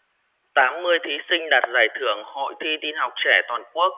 tám mươi thí sinh đoạt giải thưởng hội thi tin học trẻ toàn quốc